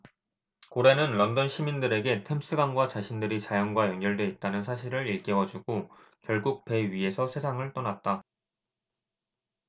고래는 런던 시민들에게 템스강과 자신들이 자연과 연결돼 있다는 사실을 일깨워주고 결국 배 위에서 세상을 떠났다